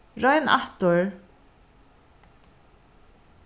royn aftur